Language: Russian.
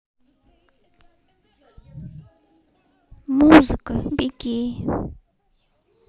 музыка беги